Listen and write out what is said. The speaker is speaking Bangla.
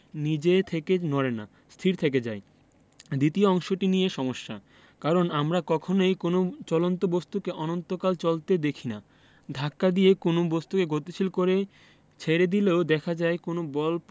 নিজে থেকে নড়ে না স্থির থেকে যায় দ্বিতীয় অংশটি নিয়ে সমস্যা কারণ আমরা কখনোই কোনো চলন্ত বস্তুকে অনন্তকাল চলতে দেখি না ধাক্কা দিয়ে কোনো বস্তুকে গতিশীল করে ছেড়ে দিলেও দেখা যায় কোনো বল